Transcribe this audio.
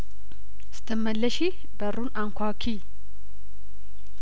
ስትመለሺ በሩን አንኳኲ